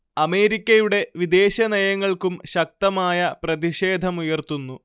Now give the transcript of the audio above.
അമേരിക്കയുടെ വിദേശനയങ്ങൾക്കും ശക്തമായ പ്രതിഷേധമുയർത്തുന്നു